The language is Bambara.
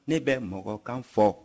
ne bɛ mɔgɔkan fɔ